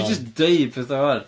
Ti jyst yn deud petha 'wan!